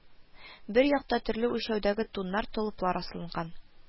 Бер якта төрле үлчәүдәге туннар, толыплар асылынган